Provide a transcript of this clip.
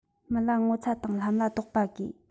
མི ལ ངོ ཚ དང ལྷམ ལ རྡོག པ དགོས